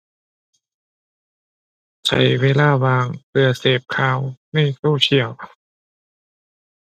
ใช้เวลาว่าง เพื่อเสพข่าวในโซเชียล